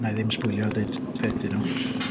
Wna i ddim sbwylio a deud be ydyn nhw .